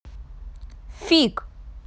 фиг